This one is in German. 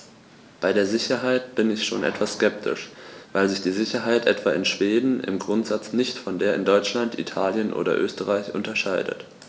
Bei der Sicherheit bin ich schon etwas skeptisch, weil sich die Sicherheit etwa in Schweden im Grundsatz nicht von der in Deutschland, Italien oder Österreich unterscheidet.